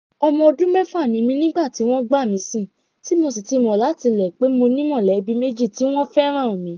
Ọmọ ọdún mẹ́fà ni mí nígbà tí wọ́n gbà mí sìn tí mo sì ti mọ̀ láti ilẹ̀ pé mo ní mọ̀lẹ́bí méjì tí wọ́n fẹ́ràn mi.